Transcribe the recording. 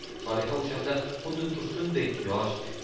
soliha o'shanda xuddi tursundek yosh